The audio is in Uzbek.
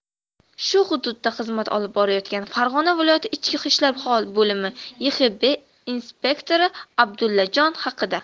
shu hududda xizmat olib borayotgan farg'ona viloyati ichki ishlar bolimi yhxb inspektori abdullajon haqida